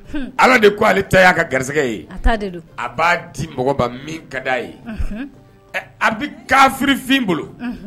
Ala de ko ale ta y'a ka garisɛgɛ ye a b'a di mɔgɔba min ka di a ye a bɛ kafifin bolo